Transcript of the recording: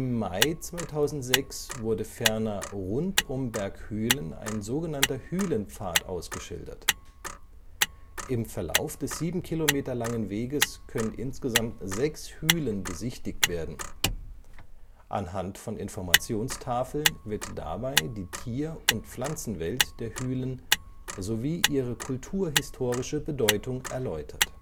Mai 2006 wurde ferner rund um Berghülen ein sogenannter Hülenpfad ausgeschildert. Im Verlauf des sieben Kilometer langen Weges können insgesamt sechs Hülen besichtigt werden – anhand von Informationstafeln wird dabei die Tier - und Pflanzenwelt der Hülen sowie ihre kulturhistorische Bedeutung erläutert